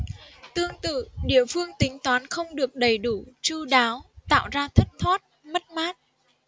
tương tự địa phương tính toán không được đầy đủ chu đáo tạo ra thất thoát mất mát